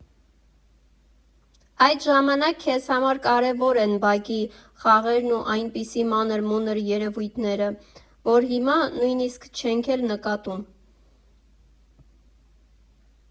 Այդ ժամանակ քեզ համար կարևոր են բակի խաղերն ու այնպիսի մանր մունր երևույթները, որ հիմա նույնիսկ չենք էլ նկատում։